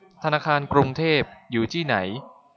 ธนาคารกรุงเทพอยู่ที่ไหน